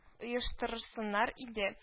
Оештырсыннар иде